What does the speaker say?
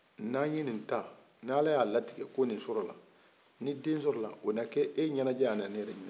n'a ye nin ta ni ala y'a latikɛ ko nin sɔɔ ni den sɔrɔ la o na kɛ e ɲɛnɛjɛ o na ne yɛrɛ ɲɛnajɛ